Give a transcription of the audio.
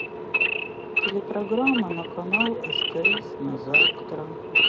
телепрограмма на канал стс на завтра